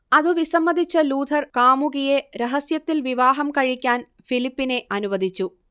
അതു വിസമ്മതിച്ച ലൂഥർ കാമുകിയെ രഹസ്യത്തിൽ വിവാഹം കഴിക്കാൻ ഫിലിപ്പിനെ അനുവദിച്ചു